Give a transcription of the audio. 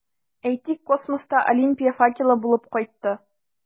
Әйтик, космоста Олимпия факелы булып кайтты.